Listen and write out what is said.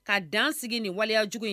Ka dan sigi nin waleya cogo ye